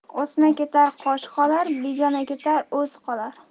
o'sma ketar qosh qolar begona ketar o'z qolar